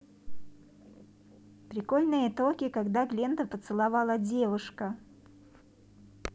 прикольные токи когда глента поцеловала девушка